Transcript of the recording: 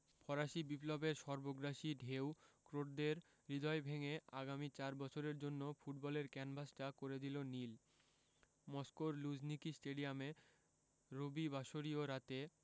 ফরাসি বিপ্লবের সর্বগ্রাসী ঢেউ ক্রোটদের হৃদয় ভেঙে আগামী চার বছরের জন্য ফুটবলের ক্যানভাসটা করে দিল নীল মস্কোর লুঝনিকি স্টেডিয়ামে রবিবাসরীয় রাতে